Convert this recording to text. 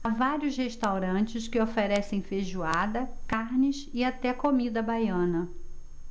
há vários restaurantes que oferecem feijoada carnes e até comida baiana